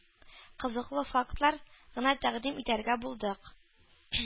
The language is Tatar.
Кызыклы фактлар гына тәкъдим итәргә булдык.